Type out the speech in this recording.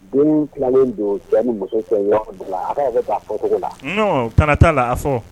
Den tilalen don musogo la u taara t'a la a